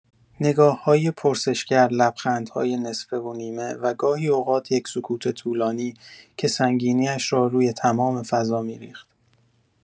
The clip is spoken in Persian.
نگاه‌های پرسشگر، لبخندهای نصفه‌ونیمه، و گاهی اوقات یک سکوت طولانی که سنگینی‌اش را روی تمام فضا می‌ریخت.